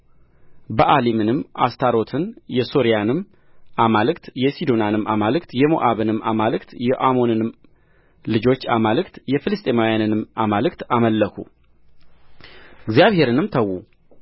በኣሊምንና አስታሮትን የሶርያንም አማልክት የሲዶናንም አማልክት የሞዓብንም አማልክት የአሞንንም ልጆች አማልክት የፍልስጥኤማውያንንም አማልክት አመለኩ እግዚአብሔርንም ተዉ አላመለኩትምም